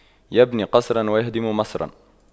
يبني قصراً ويهدم مصراً